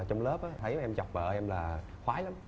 trong lớp á thấy em chọc vợ em là khoái lắm